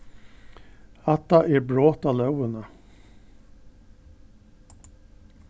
hatta er brot á lógina